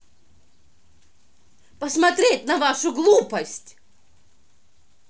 посмотреть на вашу глупость